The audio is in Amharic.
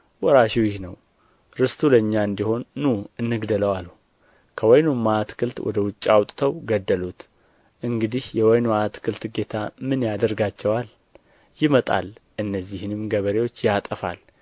ወራሹ ይህ ነው ርስቱ ለእኛ እንዲሆን ኑ እንግደለው አሉ ከወይኑም አትክልት ወደ ውጭ አውጥተው ገደሉት እንግዲህ የወይኑ አትክልት ጌታ ምን ያደርጋቸዋል ይመጣል እነዚህንም ገበሬዎች ያጠፋል